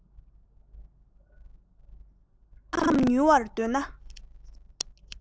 ཞིང ཁམས ཉུལ བར འདོད ན